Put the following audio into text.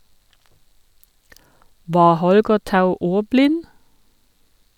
Var Holger Tou ordblind?